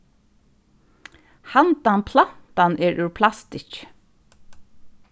handan plantan er úr plastikki